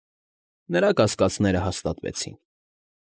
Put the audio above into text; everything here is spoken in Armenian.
Նրա կասկածները հաստատվեցին։